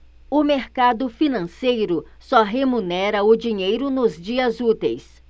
o mercado financeiro só remunera o dinheiro nos dias úteis